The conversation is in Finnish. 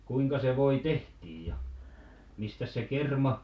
kuinka se voi tehtiin ja mistäs se kerma